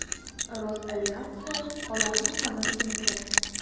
Росавиация аларның санын киметә.